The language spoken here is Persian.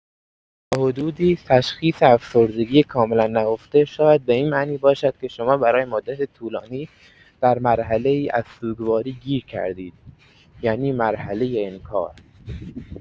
تا حدودی، تشخیص افسردگی کاملا نهفته شاید به این معنی باشد که شما برای مدتی طولانی در مرحله‌ای از سوگواری گیر کرده‌اید، یعنی مرحله انکار.